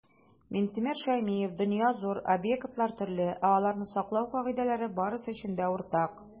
Минтимер Шәймиев: "Дөнья - зур, объектлар - төрле, ә аларны саклау кагыйдәләре - барысы өчен дә уртак".